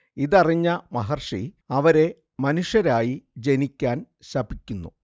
ഇതറിഞ്ഞ മഹർഷി അവരെ മനുഷ്യരായി ജനിക്കാൻ ശപിക്കുന്നു